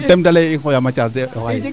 tem de leyee i ngoya Mathiase de